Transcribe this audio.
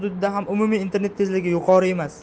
hududida ham umumiy internet tezligi yuqori emas